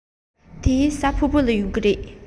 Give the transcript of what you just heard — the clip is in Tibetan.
རེས གཟའ ཕུར བུ ལ ཡོང གི རེད